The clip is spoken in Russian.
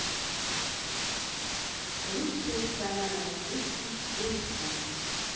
лучшая страна на свете песня